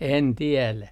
en tiedä